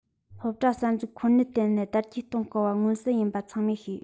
སློབ གྲྭ གསར འཛུགས ཁོ ནར བརྟེན ནས དར རྒྱས གཏོང དཀའ བ མངོན གསལ ཡིན པ ཚང མས ཤེས